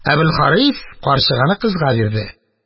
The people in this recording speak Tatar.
Әбелхарис карчыганы кызга бирде.